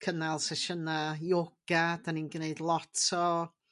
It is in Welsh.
cynnal sesiyna ioga 'dan ni'n gneud lot o